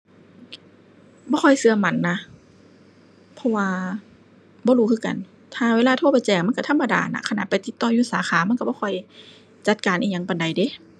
บ่ค่อยเชื่อมั่นนะ เพราะว่าบ่รู้คือกัน ถ้าเวลาโทรไปแจ้งมันเชื่อธรรมดานะ ขนาดไปติดต่ออยู่สาขามันเชื่อบ่ค่อยจัดการอิหยังปานใดเดะ